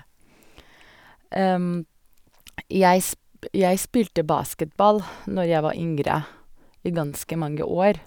jeg sp Jeg spilte basketball når jeg var yngre i ganske mange år.